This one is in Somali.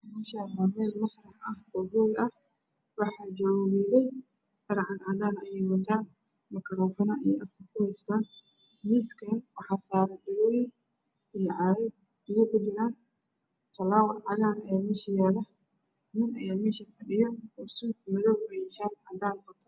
Meeshani waa meel masrax ah waxaa joogo wilal dhar cad cadaan ah wataan makorafano ayay haystan miiskan waxaa saaran banooli iyo caagad biyo kujiraan nin ayaa meesha fadhiyo shaadh cadaan wato